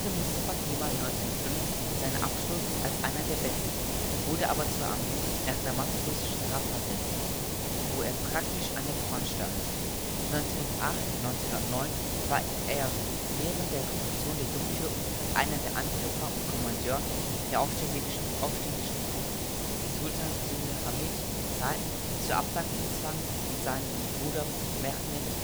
Mustafa Kemal 1905 seinen Abschluss als einer der Besten, wurde aber zur Armee nach Damaskus strafversetzt, wo er praktisch an der Front stand. 1908 / 09 war er während der Revolution der Jungtürken einer der Anführer und Kommandeur der aufständischen Truppen, die Sultan Abdülhamid II. zur Abdankung zwangen und seinen Bruder Mehmed